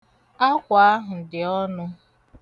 Akwa ahụ dị ọnụ.